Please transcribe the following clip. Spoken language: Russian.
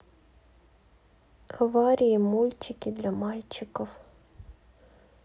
аварии мультики для мальчиков